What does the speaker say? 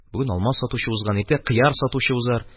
Бүген алма сатучы узган, иртәгә кыяр сатучы узар.